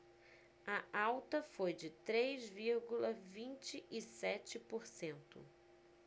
a alta foi de três vírgula vinte e sete por cento